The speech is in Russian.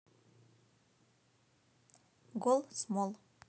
гол смол